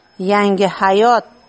yangi hayot